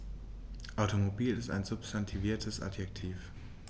Automobil ist ein substantiviertes Adjektiv.